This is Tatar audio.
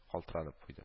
Калтыранып куйдым